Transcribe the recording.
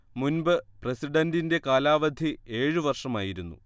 മുൻപ് പ്രസിഡന്റിന്റെ കാലാവധി ഏഴ് വർഷമായിരുന്നു